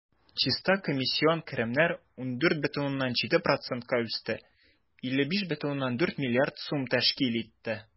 Чиста комиссион керемнәр 14,7 %-ка үсте, 55,4 млрд сум тәшкил итте.